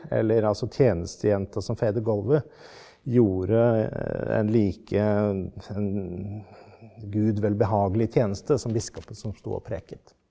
eller altså tjenestejenta som feide golvet gjorde en like en Gud velbehagelig tjeneste som biskopen som stod og preket.